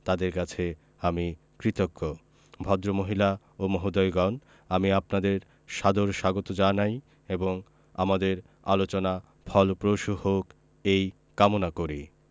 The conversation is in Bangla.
তাঁদের কাছে আমি কৃতজ্ঞ ভদ্রমহিলা ও মহোদয়গণ আমি আপনাদের সাদর স্বাগত জানাই এবং আমাদের আলোচনা ফলপ্রসূ হোক এই কামনা করি